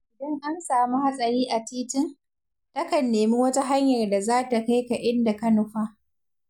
Idan an samu hatsari a titin, takan nemi wata hanyar da za ta kai ka inda ka nufa.